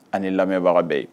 Ani lamɛbaga bɛ ye